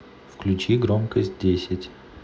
включи громкость десять